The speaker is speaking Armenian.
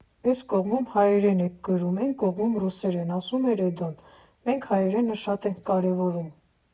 ֊ Էս կողմում հայերեն ենք գրում, էն կողմում՝ ռուսերեն, ֊ ասում է Էդոն, ֊ մենք հայերենը շատ ենք կարևորում։